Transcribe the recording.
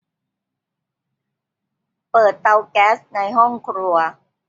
เปิดเตาแก๊สในห้องครัว